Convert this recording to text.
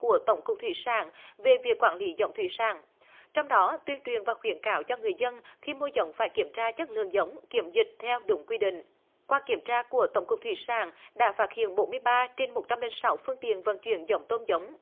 của tổng cục thủy sản về việc quản lý giống thủy sản trong đó tuyên truyền và khuyến cáo cho người dân khi mua giống phải kiểm tra chất lượng giống kiểm dịch theo đúng quy định qua kiểm tra của tổng cục thủy sản đã phát hiện bốn mươi ba trên một trăm linh sáu phương tiện vận chuyển giống tôm giống